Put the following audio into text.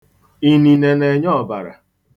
Inine na-enye ọbara.